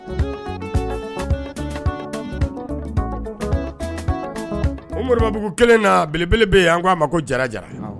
Babugu kelen na bb an k ko a ma ko jara jara